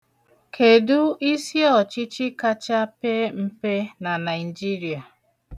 Kedụ isiọchịchị kacha pee mpe na Naịjiria?